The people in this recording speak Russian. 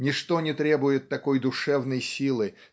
Ничто не требует такой душевной силы